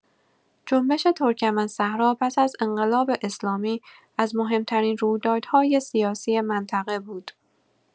جنبش ترکمن‌صحرا پس از انقلاب اسلامی از مهم‌ترین رویدادهای سیاسی منطقه بود.